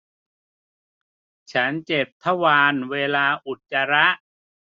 ฉันเจ็บทวารเวลาอุจจาระ